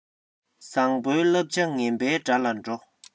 བཟང པོའི བསླབ བྱ ངན པའི དགྲ ལ འགྲོ